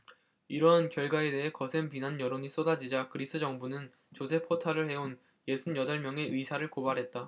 이러한 결과에 대해 거센 비난 여론이 쏟아지자 그리스 정부는 조세 포탈을 해온 예순 여덟 명의 의사를 고발했다